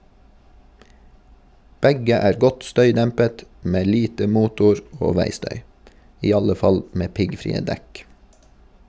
Begge er godt støydempet, med lite motor- og veistøy (i alle fall med piggfrie dekk).